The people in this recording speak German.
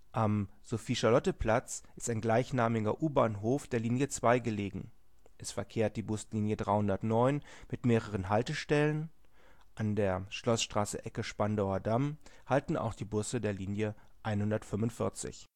Am Sophie-Charlotte-Platz ist ein gleichnamiger U-Bahnhof der Linie 2 gelegen. Es verkehrt die Buslinie 309 mit mehreren Haltestellen. An der Schloßstraße / Ecke Spandauer Damm halten auch die Busse der Linie 145